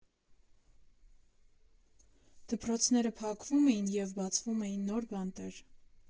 Դպրոցները փակվում էին և բացվում էին նոր բանտեր։